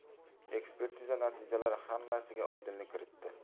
ekspertiza natijalari hammasiga oydinlik kiritdi